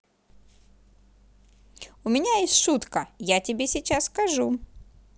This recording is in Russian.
у меня есть шутка я тебе сейчас скажу